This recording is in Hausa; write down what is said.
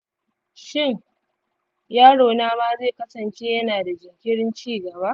shin yarona ma zai kasance yana da jinkirin ci gaba